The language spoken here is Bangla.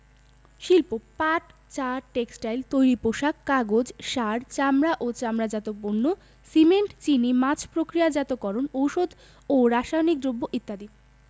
শিল্প পাট চা টেক্সটাইল তৈরি পোশাক কাগজ সার চামড়া ও চামড়াজাত পণ্য সিমেন্ট চিনি মাছ প্রক্রিয়াজাতকরণ ঔষধ ও রাসায়নিক দ্রব্য ইত্যাদি